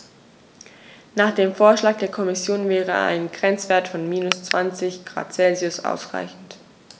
Nach dem Vorschlag der Kommission wäre ein Grenzwert von -20 ºC ausreichend.